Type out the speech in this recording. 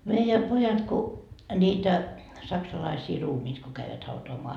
meidän pojat kun niitä saksalaisia ruumiita kun kävivät hautaamaan